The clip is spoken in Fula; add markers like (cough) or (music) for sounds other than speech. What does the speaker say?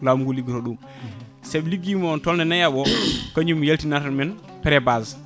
laamu ngu liggoto ɗum seeɓe ligguima tolno naayaɓo o (clears throat) ko kañum yaltinanta men pré-base